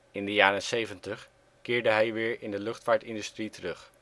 In de jaren zeventig keerde hij weer in de luchtvaartindustrie terug